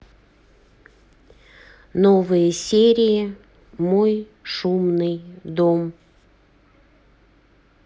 новые серии мой шумный дом